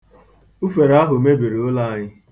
Ufere ahụ mebiri ụlọ anyị.